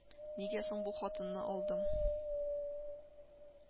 Нигә соң бу хатынны алдым